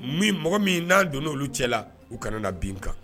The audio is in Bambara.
Min mɔgɔ min n'an donna olu cɛla la u kana na bin kan